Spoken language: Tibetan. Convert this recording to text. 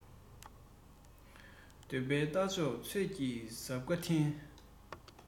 འདིར བཞུགས འདིར བྱོན ཟེར མཁན མང པོ ཡོང